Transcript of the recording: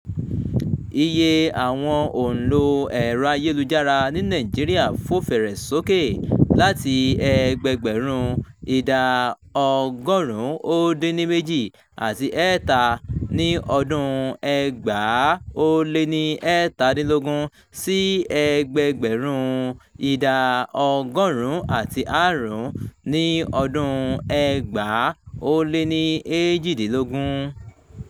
Iye àwọn òǹlò ẹ̀rọ ayélujára ní Nàìjíríà fò fẹ̀rẹ̀ sókè láti ẹgbẹẹgbẹ̀rún 98.3 ní ọdún-un 2017 sí ẹgbẹẹgbẹ̀rún 100.5 ní 2018.